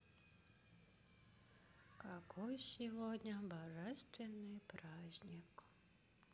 какой сегодня божественный праздник